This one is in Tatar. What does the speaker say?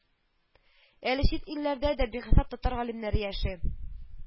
Әле чит илләрдә дә бихисап татар галимнәре яши